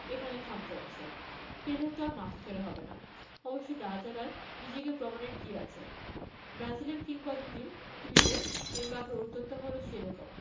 এখানেই থামতে হচ্ছে পেলের তো আর মাঠে ফেরা হবে না অবশ্য রাজার আর নিজেকে প্রমাণের কী আছে ব্রাজিলিয়ান কিংবদন্তির টুইটের এমবাপ্পের উত্তরটাও হলো সে রকম